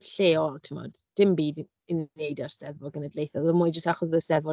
Lleol timod, dim byd i i ymwneud â'r Eisteddfod genedlaethol. Oedd e'n mwy jyst achos oedd y 'Steddfod...